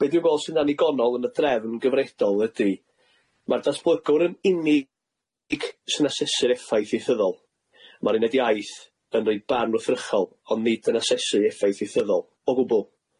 Be dwi'n gwel' sy'n annigonol yn y drefn gyfredol ydi ma'r datblygwr yn unig i c- sy'n asesu'r effaith ieithyddol, ma'r uned iaith yn roi barn wrthrychol ond nid yn asesu effaith ieithyddol o gwbwl.